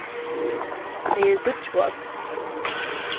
tey eru dýggjvát